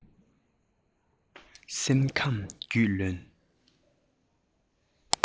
སེམས ཁམས རྒྱུས ལོན